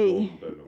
tuntenut